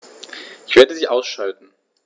Ich werde sie ausschalten